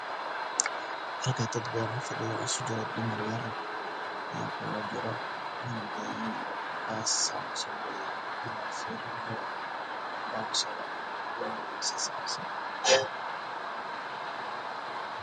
Gashan oo meel xaflad ah waxaa joogaan dad fara badan odayaal odayga ugu soo horeeyo waxa uu wataa shati buluug ay ciidamada cadays ah